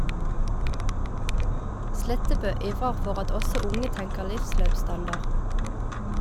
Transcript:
Slettebø ivrer for at også unge tenker livsløpsstandard.